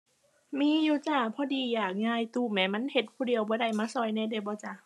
มีอยู่จ้า พอดีอยากย้ายตู้แหม มันเฮ็ดผู้เดียวบ่ได้ มาช่วยแหน่ได้บ่จ้า